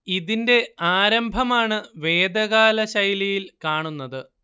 ഇതിന്റെ ആരംഭമാണ് വേദകാല ശൈലിയിൽ കാണുന്നത്